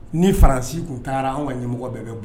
Ni faransi tun taara anw ka ɲɛmɔgɔ bɛɛ bɛ bɔ